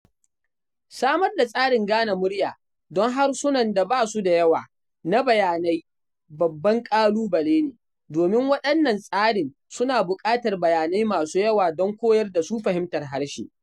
Samar da tsarin gane murya don harsunan da ba su da yawa na bayanai babban ƙalubale ne, domin waɗannan tsarin suna buƙatar bayanai masu yawa don koyar da su fahimtar harshe.